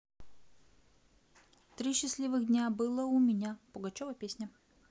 три счастливых дня было у меня пугачева песня